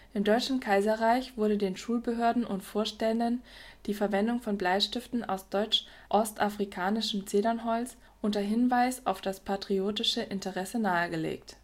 Im Deutschen Kaiserreich wurde den Schulbehörden und - vorständen die Verwendung von Bleistiften aus deutsch-ostafrikanischem Zedernholz „ unter Hinweis auf das patriotische Interesse “nahegelegt